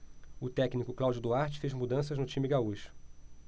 o técnico cláudio duarte fez mudanças no time gaúcho